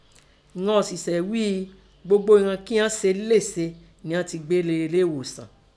Ìnan ọ̀ṣìsẹ́ ghíi gbogbo ìnan kíọ́n se lése niọ́n tẹ gbé lọ relééghòsàn.